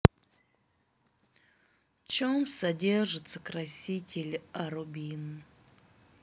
в чем содержится краситель а рубин